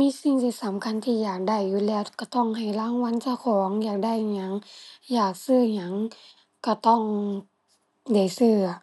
มีสิ่งที่สำคัญที่อยากได้อยู่แล้วก็ต้องให้รางวัลเจ้าของ อยากได้อิหยัง อยากซื้ออิหยัง ก็ต้องได้ซื้ออะ